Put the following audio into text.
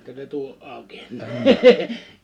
jäikö se tuo auki